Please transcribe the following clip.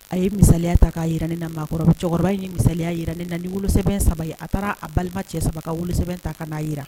A ye misaya ta k'a jira ne na maakɔrɔba cɛkɔrɔba ye masasaya jira ne na nisɛbɛn saba a taara a balima cɛ saba kasɛbɛn ta ka n'a jira